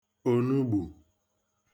ònugbù